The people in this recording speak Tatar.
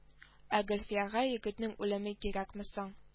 Ә гөлфиягә егетнең үлеме кирәкме соң